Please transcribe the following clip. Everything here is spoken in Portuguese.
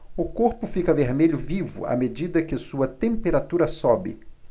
o corpo fica vermelho vivo à medida que sua temperatura sobe